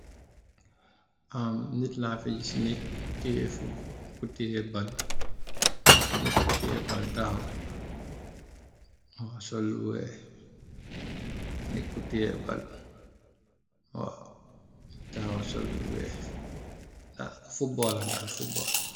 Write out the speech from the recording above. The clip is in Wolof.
Ahm nit lafi gis nit tiyeh foot ku tiyeh bal, waw nit ku tiyeh bal takhaw, waw sol lu wekh, nit ku tiyeh bal, waw muungy takhaw sol lu wekh, footballer daal footballer.